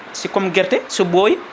si comme guerte so ɓooyi